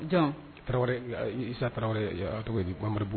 Jan tarawelesa tarawele tɔgɔ yen gm mariri bɔ